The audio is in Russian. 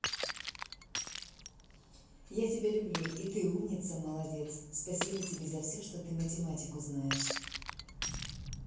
я тебя люблю и ты умница молодец спасибо тебе за все что ты математику знаешь